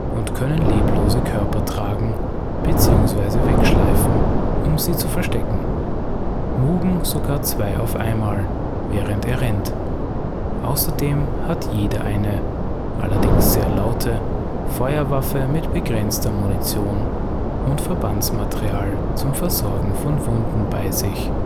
und können leblose Körper tragen bzw. wegschleifen, um sie zu verstecken – Mugen sogar zwei auf einmal, während er rennt. Außerdem hat jeder eine (allerdings sehr laute) Feuerwaffe mit begrenzter Munition und Verbandsmaterial zum Versorgen von Wunden bei sich